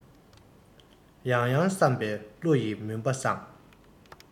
ཡང ཡང བསམ པས བློ ཡི མུན པ སངས